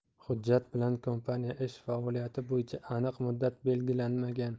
hujjat bilan kompaniya ish faoliyati bo'yicha aniq muddat belgilanmagan